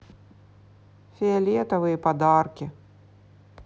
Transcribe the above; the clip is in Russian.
фиолетовые подарки